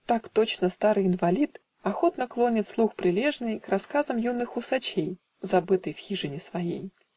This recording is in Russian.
Так точно старый инвалид Охотно клонит слух прилежный Рассказам юных усачей, Забытый в хижине своей.